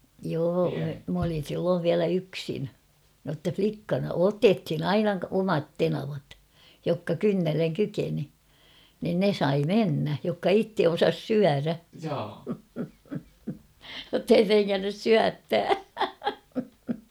joo minä olin silloin vielä yksin jotta likkana - otettiin aina omat tenavat jotka kynnelle kykeni niin ne sai mennä jotka itse osasi syödä jotta ei trengännyt syöttää